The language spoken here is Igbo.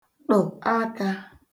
ṭụ̀ akā